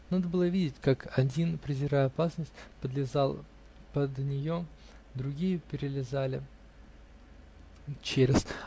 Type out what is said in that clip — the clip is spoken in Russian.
Надо было видеть, как одни, презирая опасность, подлезали под нее, другие перелезали через